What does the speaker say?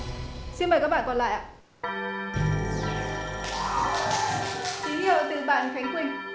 xin mời các bạn còn lại ạ tín hiệu từ bạn khánh quỳnh